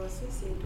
Masa sen don